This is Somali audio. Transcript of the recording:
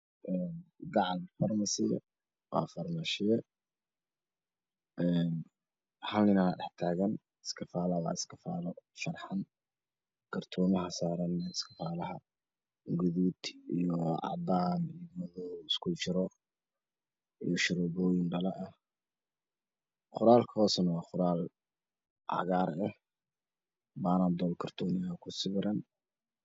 Waa farmashiyo hal nin baa dhaxtaagan iskafaalaha waa iskafaalo sharaxan kartoomaa saran gudud iyo madow cadaaan isku jiro iyo sharoo pooyin dhala ah qoraallka hoosana wa qoraal cagaar eh panadool kortoon yaahay ku sawiran